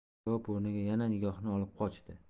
javob o'rniga yana nigohini olib qochdi